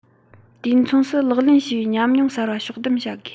དུས མཚུངས སུ ལག ལེན བྱས པའི ཉམས མྱོང གསར པ ཕྱོགས བསྡོམས བྱ དགོས